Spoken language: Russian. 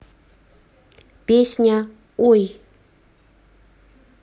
песня ой